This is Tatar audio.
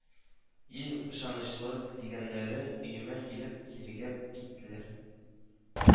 Иң ышанычлы дигәннәре өемә килеп тиргәп киттеләр